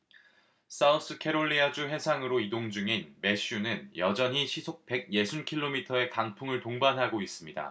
사우스캐롤리아 주 해상으로 이동 중인 매슈는 여전히 시속 백 예순 킬로미터의 강풍을 동반하고 있습니다